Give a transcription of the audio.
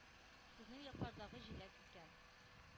Сезнең яклардагы җиләк икән!